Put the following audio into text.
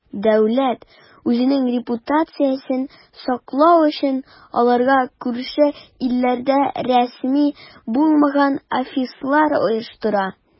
Дәүләт, үзенең репутациясен саклау өчен, аларга күрше илләрдә рәсми булмаган "офислар" оештыра.